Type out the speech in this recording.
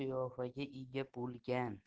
qiyofaga ega bo'lgan